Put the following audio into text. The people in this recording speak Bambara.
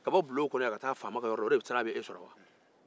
ka bɔ bulon kɔnɔ ka taa faama ka yɔrɔ o de siran bɛna e sɔrɔ